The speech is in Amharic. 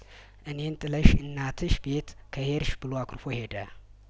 እኔን ጥለሽ እናትሽ ቤት ከሄድሽ ብሎ አኩርፎ ሄደ